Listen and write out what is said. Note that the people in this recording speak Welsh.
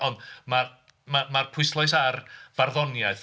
Ond ma' ma' ma'r pwyslais ar farddoniaeth.